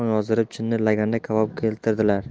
yozdirib chinni laganda kabob keltirdilar